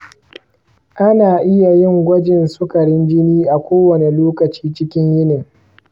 ana iya yin gwajin sukarin jini a kowane lokaci cikin yinin.